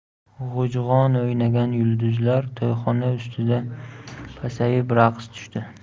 g'ujg'on o'ynagan yulduzlar to'yxona ustida pasayib raqs tushdi